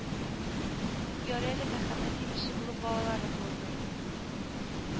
Ярый әле мәхәббәт имеше булып балалары булмый